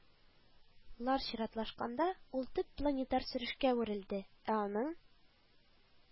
Лар чиратлашканда, ул төп планетар сөрешкә әверелде, ә аның